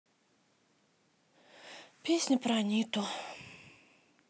песня про аниту